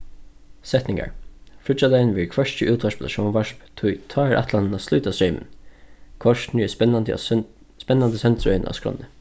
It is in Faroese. setningar fríggjadagin verður hvørki útvarp ella sjónvarp tí tá er ætlanin at slíta streymin kortini er spennandi spennandi sendirøðin á skránni